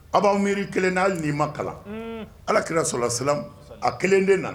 Aw b'an miiriri kelen n'a ni ma kalan alaki solasi a kelen de nana